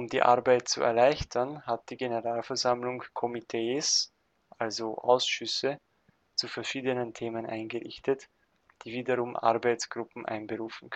die Arbeit zu erleichtern, hat die Generalversammlung Komitees (Ausschüsse) zu verschiedenen Themen eingerichtet, die wiederum Arbeitsgruppen einberufen